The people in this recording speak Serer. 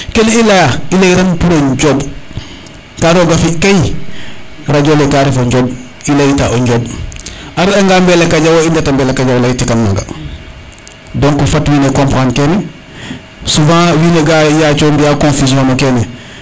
kene i leya i leyi ran pour o Ndiomb ka roga fi kay radio le ka refo Ndiomb i leyta o Ndiomb a re anga Mbelakadiawo i ndeta Mbelakadiaw leytikan maga donc fat wiin we comprendre kene souvent wiin we ga yaco mbiya confusion no kene